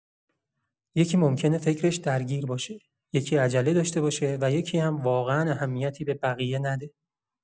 یکی ممکنه فکروش درگیر باشه، یکی عجله داشته باشه و یکی هم واقعا اهمیتی به بقیه نده.